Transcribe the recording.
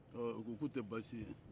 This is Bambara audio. ɔɔ u ko k'o te baasi ye